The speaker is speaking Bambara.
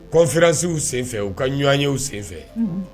Kɔnfiransiw senfɛ u ka ɲ ɲɔgɔn yew senfɛ